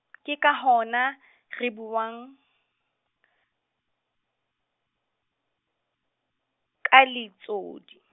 ke ka hona , re buang , ka leetsolli.